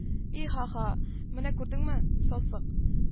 – и-ха-ха!.. менә күрдеңме, сасык